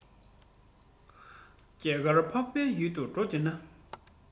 རྒྱ གར འཕགས པའི ཡུལ དུ འགྲོ འདོད ན